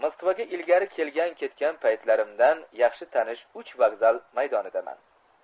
moskvaga ilgari kelgan ketgan paytlarimdan yaxshi tanish uch vokzal maydonidaman